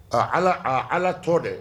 Aa ala tɔ dɛ